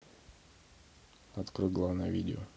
открой главное видео